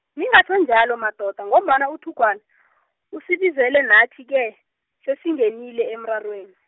ningatjho njalo madoda ngombana uThugwana , usibizile nathi ke, sesingenile emrarweni.